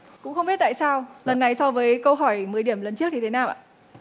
cũng không biết tại sao lần này so với câu hỏi mười điểm lần trước thì thế nào ạ